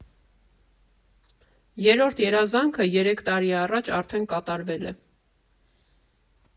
Երրորդ երազանքը երեք տարի առաջ արդեն կատարվել է։